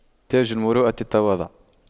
تاج المروءة التواضع